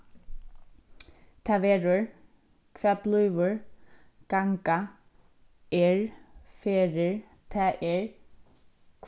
tað verður hvat blívur ganga er ferðir tað er